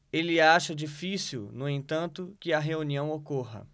ele acha difícil no entanto que a reunião ocorra